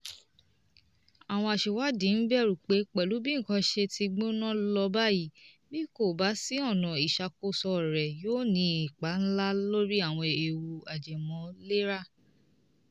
Àwọn aṣèwádìí ń bẹ̀rù pé pẹ̀lú bí nǹkan ṣe ti ń gbóná lọ báyìí, bí kò bá sí ọ̀nà ìṣàkóso rẹ̀, yóò ni ipa ńlá lórí àwọn ewu ajẹmọ́lera.